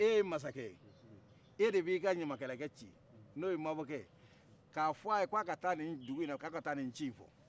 e ye masakɛ ye e de b'i ka ɲamakalakɛ ci n' oye mabɔ kɛ ye ka f' aye ka ka taa ni dugu in na ka ka taa ni cin kɛ